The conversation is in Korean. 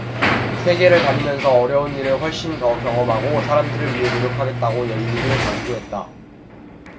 세계를 다니면서 어려운 일을 훨씬 더 경험하고 사람들을 위해 노력했다고 연륜을 강조했다